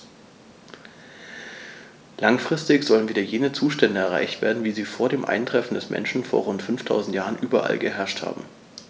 Langfristig sollen wieder jene Zustände erreicht werden, wie sie vor dem Eintreffen des Menschen vor rund 5000 Jahren überall geherrscht haben.